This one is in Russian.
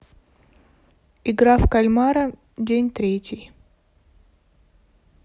игра в кальмара день третий